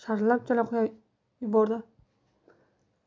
sharillab jala quyib yubordi